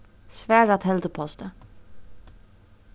svara telduposti